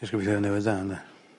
Jys gobeithio newydd dda 'nde.